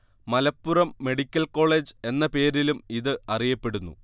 Malappuram medical college എന്ന പേരിലും ഇത് അറിയപ്പെടുന്നു